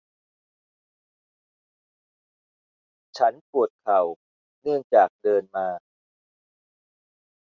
ฉันปวดเข่าเนื่องจากเดินมา